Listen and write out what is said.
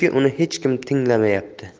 uni hech kim tinglamayapti